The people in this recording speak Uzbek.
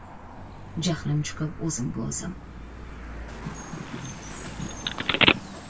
jahlim chiqib o'zimga o'zim